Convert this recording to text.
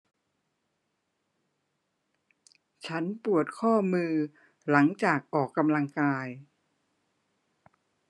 ฉันปวดข้อมือหนังจากออกกำลังกาย